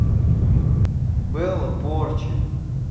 bella порчи